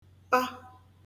pa